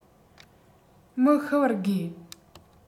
མི ཤི བར དགོས